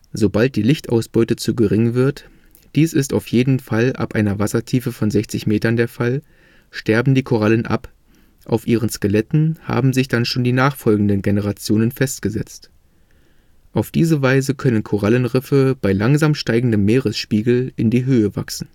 Sobald die Lichtausbeute zu gering wird – dies ist auf jeden Fall ab einer Wassertiefe von 60 Metern der Fall – sterben die Korallen ab, auf ihren Skeletten haben sich dann schon die nachfolgenden Generationen festgesetzt. Auf diese Weise können Korallenriffe bei langsam steigendem Meeresspiegel in die Höhe wachsen